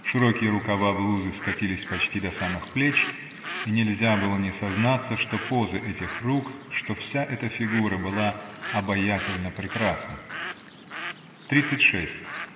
Широкие рукава блузы скатились почти до самых плеч -- и нельзя было не сознаться, что поза этих рук, что вся эта фигура была обаятельно прекрасна. Тридцать шесть.